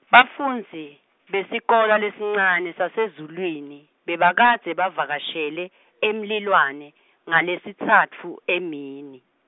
bafundzi, besikolwa lesincane, saseZulwini, bebakadze bavakashele, eMlilwane, ngaLesitsatfu emini.